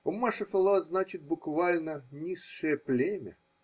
Умма шефела значит буквально низшее племя.